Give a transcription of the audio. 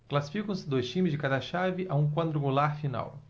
classificam-se dois times de cada chave a um quadrangular final